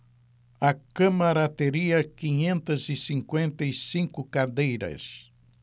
a câmara teria quinhentas e cinquenta e cinco cadeiras